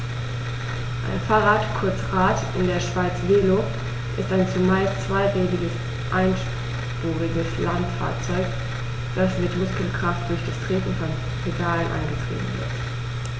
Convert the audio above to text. Ein Fahrrad, kurz Rad, in der Schweiz Velo, ist ein zumeist zweirädriges einspuriges Landfahrzeug, das mit Muskelkraft durch das Treten von Pedalen angetrieben wird.